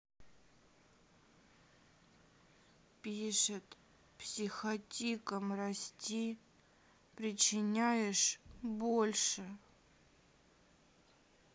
пишет психотикам расти причиняешь больше